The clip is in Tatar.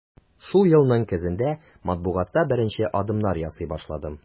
Шул елның көзендә матбугатта беренче адымнар ясый башладым.